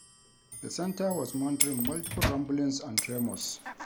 The center was monitoring multiple rumblings and tremors.